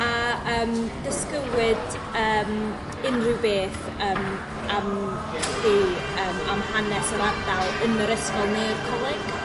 A yym dysgywyd yym unrhyw beth yym am chi yym am hanes yr ardal yn yr ysgol ne'r coleg?